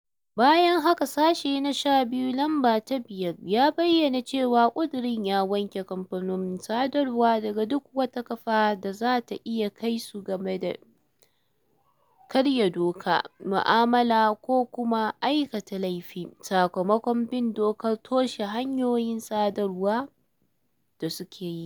Bayan haka, sashe na 12, lamba ta 5 ya bayyana cewa ƙudurin ya wanke kamfanonin sadarwa daga duk wata ƙara da za a iya kai su game da "karya dokar mu'amala ko kuma kuma aikata laifi" sakamakon "bin dokar toshe hanyoyin sadarwa" da suka yi.